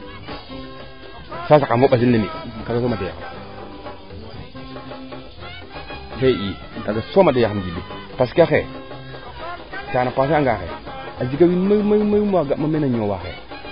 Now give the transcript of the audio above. sa saqanaam ɓasil ne mi kaaga soom a doya xam ley i kaaga soom a doya xam Djiby parce que xaye kaana a passer anga xaye a jega mayu mayu waa ga ma meena ñoowa